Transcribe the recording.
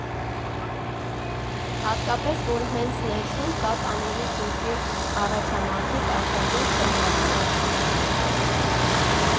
Հատկապես, որ հենց ներսում կա տանովի սուրճի առաջամարտիկ «Աչաջուր» սրճարանը։